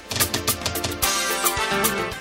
San